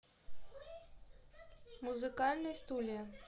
музыкальные стулья